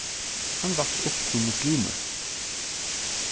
hann vaks upp sum muslimur